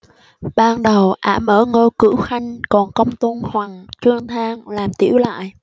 ban đầu ảm ở ngôi cửu khanh còn công tôn hoằng trương thang làm tiểu lại